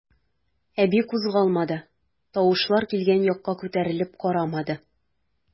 Әби кузгалмады, тавышлар килгән якка күтәрелеп карамады.